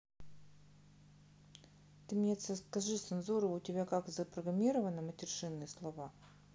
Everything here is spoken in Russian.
ты мне скажи цензура у тебя как запрограмировано матершинные слова